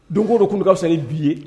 Donko donkan fisa bi ye